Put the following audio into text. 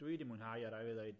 Dwi 'di mwynhau a rai' fi ddeud